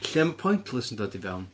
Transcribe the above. Lle ma' Pointless yn dod i fewn?